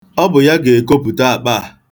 Ọ bụ ya ga-ekopute akpa a.